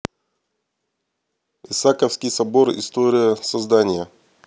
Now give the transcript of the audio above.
исаковский собор история создания